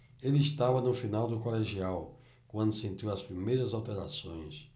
ele estava no final do colegial quando sentiu as primeiras alterações